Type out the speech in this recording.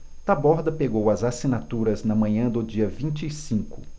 taborda pegou as assinaturas na manhã do dia vinte e cinco